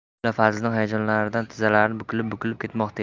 mulla fazliddin hayajonlanganidan tizzalari bukilib bukilib ketmoqda edi